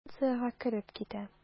Станциягә кереп китә.